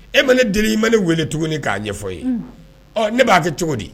E ma ne di i ma ne wele tuguni k'a ɲɛfɔ ye ɔ ne b'a kɛ cogo di